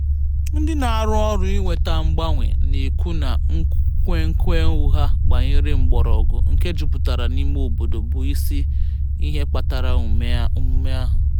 Ndị na-arụ ọrụ iweta mgbanwe na-ekwu na nkwenkwe ụgha gbanyere mkpọrọgwụ nke jupụtara n'ime obodo bụ isi ihe kpatara omume ahụ.